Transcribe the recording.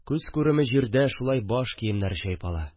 Күз күреме җирдә шулай баш киемнәре чайпала